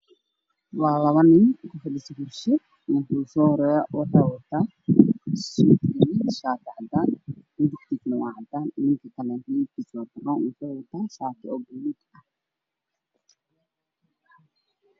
Waa laba nin oo meel fadhiya ninka usoo horeeyo wuxuu wata shaati caddaan soo ninka kale wuxuu wataa shati giisu yahay cadays kuraas caddaan ayay ku fadhiyaan